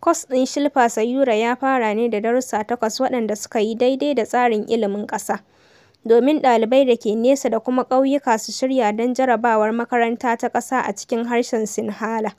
Kwas ɗin Shilpa Sayura ya fara ne da darussa takwas waɗanda suka yi daidai da tsarin ilimin ƙasa, domin ɗalibai dake nesa da kuma ƙauyuka su shirya don jarabawar makaranta ta ƙasa a cikin harshen Sinhala,